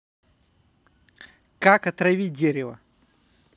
как отравить дерево